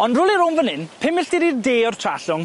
Ond rywle rown' fan 'yn pum milltir i'r de o'r Trallwng